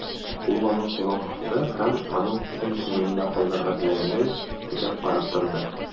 Ул аның кулын кысты һәм, аның төсен күңелендә калдырырга теләгәндәй, текәп карап торды.